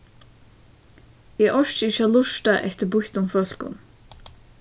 eg orki ikki at lurta eftir býttum fólkum